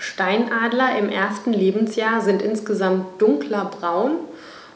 Steinadler im ersten Lebensjahr sind insgesamt dunkler braun